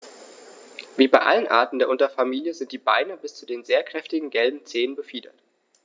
Wie bei allen Arten der Unterfamilie sind die Beine bis zu den sehr kräftigen gelben Zehen befiedert.